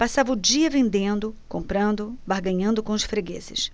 passava o dia vendendo comprando barganhando com os fregueses